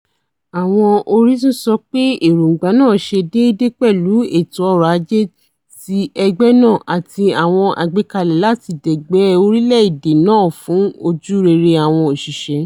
Àwọn orísún sọ pé èròǹgbà náà 'ṣe déédé' pẹ̀lú ètò ọ̀rọ̀-ajé ti ẹgbẹ́ náà àti àwọn àgbékalẹ̀ láti dẹ̀gbẹ́ orílẹ̀-èdè náà fún ojú rere àwọn òṣìṣẹ́.